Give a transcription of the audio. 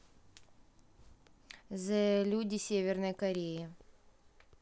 the люди северной кореи